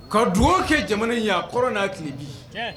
Ka dugawu kɛ jamana in ye. A kɔrɔn na kile bi.